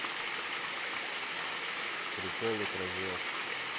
приколы про звезд